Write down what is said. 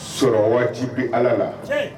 Sɔrɔ waatijibi bɛ ala la